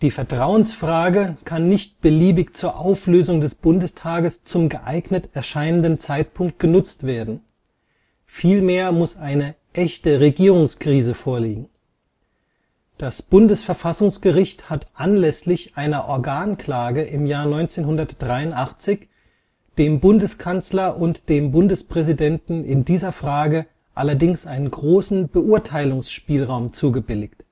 Vertrauensfrage kann nicht beliebig zur Auflösung des Bundestages zum geeignet erscheinenden Zeitpunkt genutzt werden, vielmehr muss eine „ echte “Regierungskrise vorliegen. Das Bundesverfassungsgericht hat anlässlich einer Organklage 1983 dem Bundeskanzler und dem Bundespräsidenten in dieser Frage allerdings einen großen Beurteilungsspielraum zugebilligt